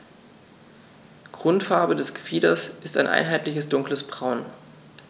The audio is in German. Grundfarbe des Gefieders ist ein einheitliches dunkles Braun.